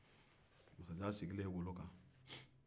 masajan sigilen wolo kan